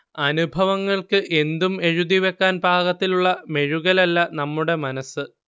അനുഭവങ്ങൾക്ക് എന്തും എഴുതിവക്കാൻ പാകത്തിലുള്ള മെഴുകലല്ല നമ്മുടെ മനസ്സ്